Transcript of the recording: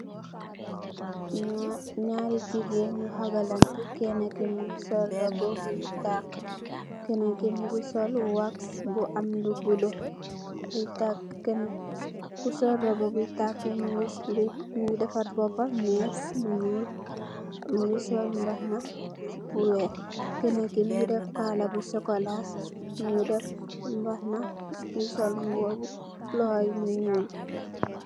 Naari jigéen yu hagalanteh, kenna ki mungi sol robbu bi takk, kenen ki mungi sol wax bu am lu bulo. Ku sol robb bi takk mungi defar boppam mess bu ñuul, mungi sol mbahana bu weeh. Kenen ki mungi deff kala bu sokola, mungi deff mbahana, sol mbuba bu loho yi mu ñuul.